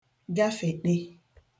gafèṭe